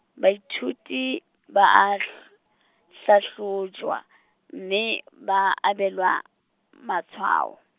baithuti ba a hl- hlahlojwa , mme ba abelwa matshwao.